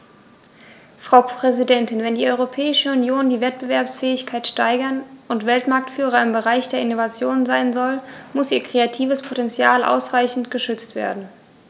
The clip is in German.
Frau Präsidentin, wenn die Europäische Union die Wettbewerbsfähigkeit steigern und Weltmarktführer im Bereich der Innovation sein soll, muss ihr kreatives Potential ausreichend geschützt werden.